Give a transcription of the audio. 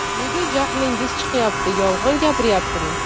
nega jahlingiz chiqyapti yolg'on gapiryaptimi